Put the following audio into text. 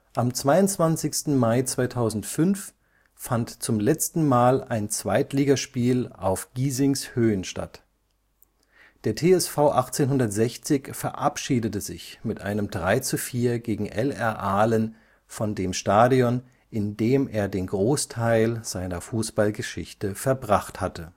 Am 22. Mai 2005 fand zum letzten Mal ein Zweitligaspiel auf Giesings Höhen statt. Der TSV 1860 verabschiedete sich mit einem 3:4 gegen LR Ahlen von dem Stadion, in dem er den Großteil seiner Fußballgeschichte verbracht hatte